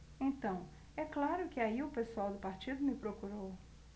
então é claro que aí o pessoal do partido me procurou